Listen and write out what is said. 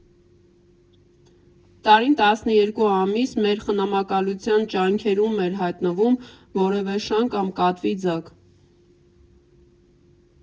Տարին տասներկու ամիս մեր խնամակալության ճանկերում էր հատնվում որևէ շան կամ կատվի ձագ։